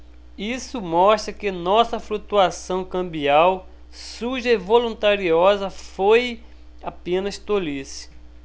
isso mostra que nossa flutuação cambial suja e voluntariosa foi apenas tolice